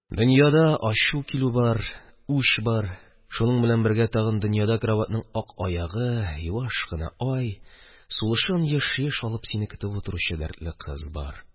Дөньяда ачу килү бар, үч бар, шуның белән бергә тагын дөньяда караватның ак аягы, юаш кына ай, сулышын еш-еш алып сине көтеп утыручы дәртле кыз бар.